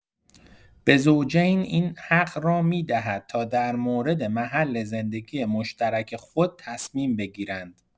به زوجین این حق را می‌دهد تا در مورد محل زندگی مشترک خود تصمیم بگیرند.